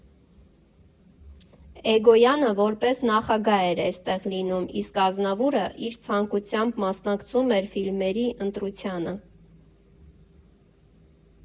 Էգոյանը որպես նախագահ էր էստեղ լինում, իսկ Ազնավուրը իր ցանկությամբ մասնակցում էր ֆիլմերի ընտրությանը…